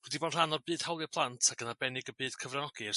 Dwi 'di bod rhan o'r byd hawlia' plant ac yn arbennig y byd cyfranogi ers